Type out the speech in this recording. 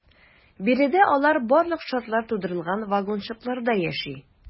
Биредә алар барлык шартлар тудырылган вагончыкларда яши.